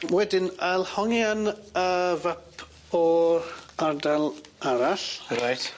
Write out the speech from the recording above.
Wedyn ail hongian y fap o ardal arall. Reit.